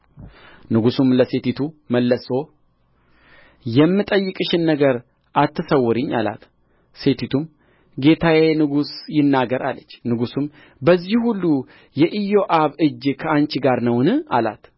ንጉሡም ለሴቲቱ መልሶ የምጠይቅሽን ነገር አትሰውሪኝ አላት ሴቲቱም ጌታዬ ንጉሥ ይናገር አለች ንጉሡም በዚህ ሁሉ የኢዮአብ እጅ ከአንቺ ጋር ነውን አላት